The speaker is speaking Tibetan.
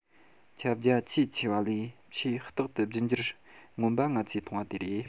ཁྱབ རྒྱ ཆེས ཆེ བ ལས ཆེས རྟག ཏུ རྒྱུད འགྱུར མངོན པ ང ཚོས མཐོང བ དེ རེད